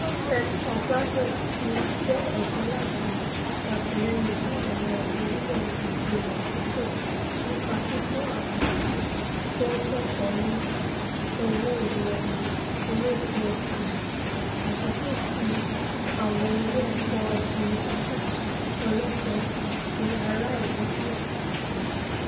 Lopez Obrador ti jẹ́ ẹ̀jẹ́ láti ṣàtìlẹ́yîn fun àwọn ọ̀dọ́ orílẹ̀-èdè Mẹ́ṣíkò nípa fífún àwọn tó ńkẹ́kọ̀ọ́ ní owó ìrọ̀rùn olóoṣooṣù àti sísí àwọn ilẹ̀ ẹ̀kọ́ yunifásitì ọlọ́ọ̀fẹ́ ti ara ìlú díẹ̵̀ síi.